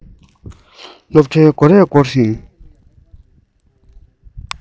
སློབ གྲྭའི སྒོ རས བསྐོར ཞིང